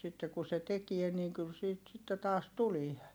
sitten kun se tekee niin kyllä siitä sitten taas tulee